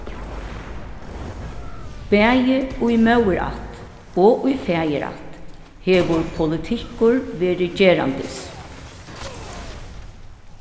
bæði í móðurætt og í faðirætt hevur politikkur verið gerandis